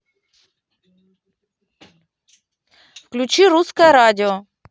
включи русское радио